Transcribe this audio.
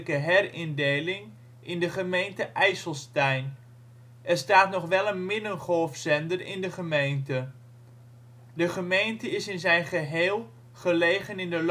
herindeling in de gemeente IJsselstein. Er staat nog wel een middengolfzender in de gemeente. De gemeente is in zijn geheel gelegen in de